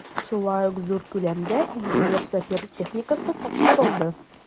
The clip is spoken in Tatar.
Шулай ук зур күләмдә инженер-сапер техникасы тапшырылды.